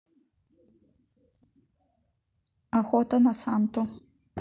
охота на санту